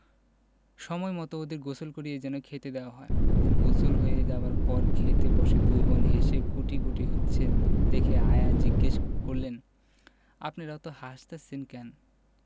সময়মত ওদের গোসল করিয়ে যেন খেতে দেওয়া হয় গোসল হয়ে যাবার পর খেতে বসে দুই বোন হেসে কুটিকুটি হচ্ছে দেখে আয়া জিজ্ঞেস করলেন আপনেরা অত হাসতাসেন ক্যান